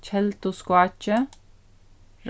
kelduskákið